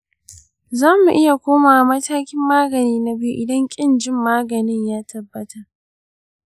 zamu iya komawa matakin magani na biyu idan ƙin jin maganin ya tabbata.